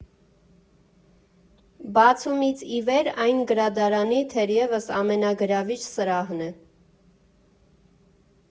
Բացումից ի վեր այն գրադարանի, թերևս, ամենագրավիչ սրահն է։